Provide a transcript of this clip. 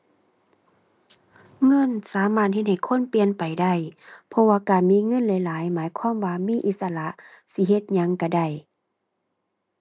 เงินสามารถเฮ็ดให้คนเปลี่ยนไปได้ เพราะว่าการมีเงินหลายหลายหมายความว่ามีอิสระ สิเฮ็ดหยังก็ได้